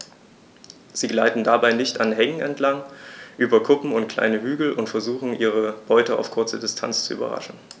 Sie gleiten dabei dicht an Hängen entlang, über Kuppen und kleine Hügel und versuchen ihre Beute auf kurze Distanz zu überraschen.